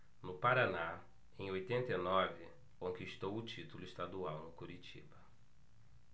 no paraná em oitenta e nove conquistou o título estadual no curitiba